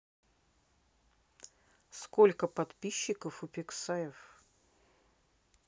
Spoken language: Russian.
сколько подписчиков у пиксаев